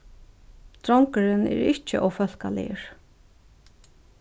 drongurin er ikki ófólkaligur